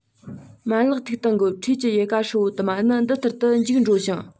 མ ལག ཐིག སྟེང གི འཁྲིས ཀྱི ཡལ ག ཧྲིལ པོ དུ མ ནི འདི ལྟར དུ འཇིག འགྲོ ཞིང